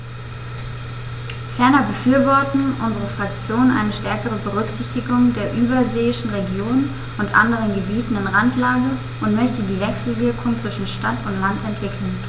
Ferner befürwortet unsere Fraktion eine stärkere Berücksichtigung der überseeischen Regionen und anderen Gebieten in Randlage und möchte die Wechselwirkungen zwischen Stadt und Land entwickeln.